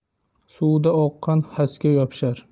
suvda oqqan xasga yopishar